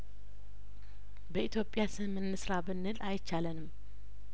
በኢትዮጵያ ስም እንስራ ብንል አይቻ ለንም